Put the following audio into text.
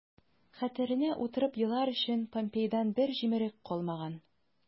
Хәтеренә утырып елар өчен помпейдан бер җимерек калмаган...